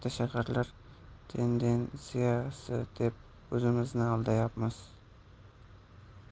katta shaharlar tendensiyasi deb o'zimizni aldayapmiz